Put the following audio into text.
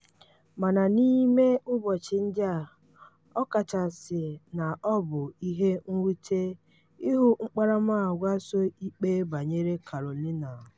Mana n'ime ụbọchị ndị a, ọkachasị na ọ bụ ihe mwute ịhụ akparamaagwa so ikpe banyere Carolina ...